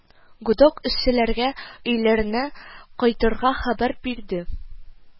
Гудок эшчеләргә өйләренә кайтырга хәбәр бирде